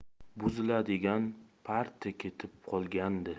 buziladigan parti ketib qolgandi